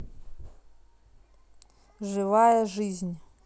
живая жизнь